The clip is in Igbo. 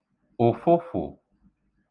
ụ̀fụfụ̀